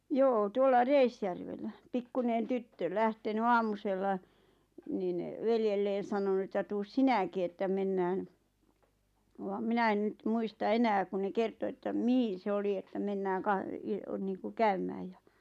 joo tuolla Reisjärvellä pikkuinen tyttö lähtenyt aamusella niin veljelleen sanonut että tule sinäkin että mennään vaan minä en nyt muista enää kun ne kertoi että mihin se oli että mennään - niin kuin käymään ja